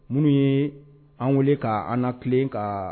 Minnu ye an wele k' an na tilen kan